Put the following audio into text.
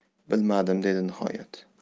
bilmadim dedi nihoyat